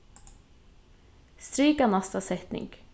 strika næsta setning